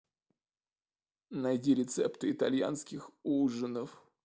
найди рецепты итальянских ужинов